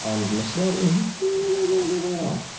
Ond ma'r stori yn weddol diddorol.